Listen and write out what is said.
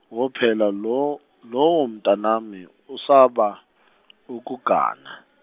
wo phela lo- lowo mntanami usaba, ukugana.